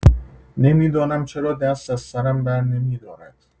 نمی‌دانم چرا دست از سرم برنمی‌دارد.